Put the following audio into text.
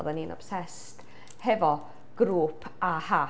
Oeddan ni'n obsessed hefo grŵp AHA.